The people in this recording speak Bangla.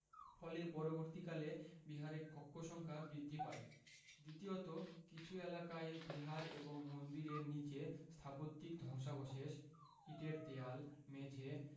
ফলে পরবর্তীকালে বিহারে কক্ষ সংখ্যা বৃদ্ধি পায় দ্বিতীয়ত কিছু এলাকায় বিহার এবং মন্দিরের নিচে স্থাপত্যিক ধ্বংসাবশেষ ইটের দেয়াল মেঝে